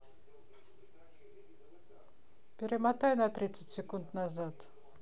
перемотай на тридцать секунд назад